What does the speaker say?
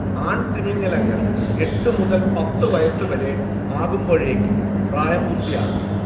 ആൺതിമിംഗിലങ്ങൾ എട്ടു മുതൽ പത്ത് വയസ്സുവരെ ആകുമ്പോഴേക്കും പ്രായപൂർത്തിയാകുന്നു